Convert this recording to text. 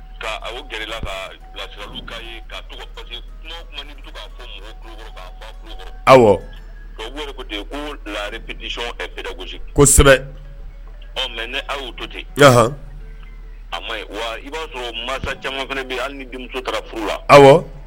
Ka gla aw ko laribareɔn gosi kosɛbɛbɛ ɔ mɛ ne'o to ten yalahaan a ma wa i b'a sɔrɔ masa caman fana bɛ hali ni denmuso kɛra furu la aw